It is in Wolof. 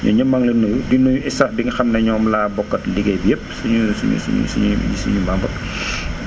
ñooñu ñëpp maa ngi leen di nuyu di nuyu staff bi nga xam ne ñoom laa bokkal liggéey bi yëpp suñuy suñuy suñuy suñuy membres